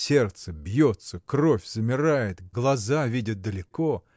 Сердце бьется, кровь замирает, глаза видят далеко.